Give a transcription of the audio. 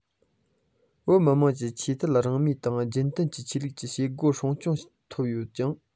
བོད མི དམངས ཀྱི ཆོས དད རང མོས དང རྒྱུན གཏན གྱི ཆོས ལུགས ཀྱི བྱེད སྒོར སྲུང སྐྱོབ ཐོབ ཡོད ཅིང